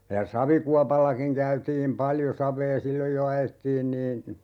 ja savikuopallakin käytiin paljon savea silloin jo ajettiin niin